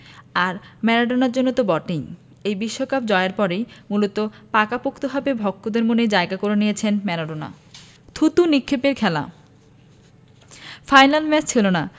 আর ম্যারাডোনার জন্য তো বটেই এই বিশ্বকাপ জয়ের পর থেকেই মূলত পাকাপোক্তভাবে ভক্তদের মনে জায়গা করে নিয়েছেন ম্যারাডোনা থুতু নিক্ষেপের খেলা ফাইনাল ম্যাচ ছিল না